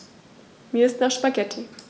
Mir ist nach Spaghetti.